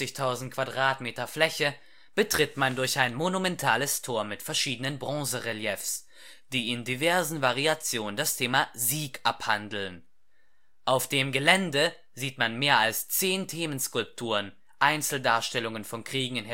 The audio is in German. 150.000 Quadratmeter Fläche betritt man durch ein monumentales Tor mit verschiedenen Bronzereliefs, die in diversen Variationen das Thema „ Sieg “abhandeln. Auf dem Gelände sieht man mehr als zehn Themenskulpturen, Einzeldarstellungen von Kriegern